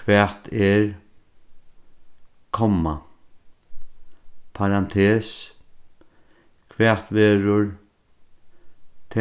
hvat er komma parantes hvat verður